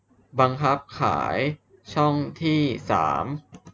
บังคับขายช่องที่สาม